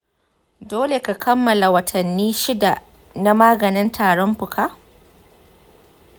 dole ka kammala watanni shida na maganin tarin fuka.